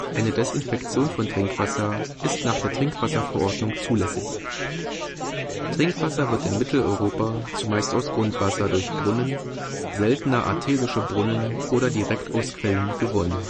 Eine Desinfektion von Trinkwasser ist nach der Trinkwasserverordnung zulässig. Trinkwasser wird in Mitteleuropa zumeist aus Grundwasser durch Brunnen, seltener Artesische Brunnen oder direkt aus Quellen gewonnen